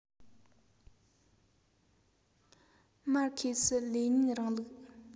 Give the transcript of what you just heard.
མར ཁེ སི ལེ ཉིན རིང ལུགས